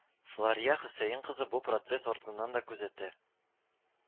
Флария Хөсәен кызы бу процесс артыннан да күзәтә